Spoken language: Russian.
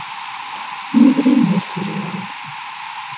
не ври мне сериал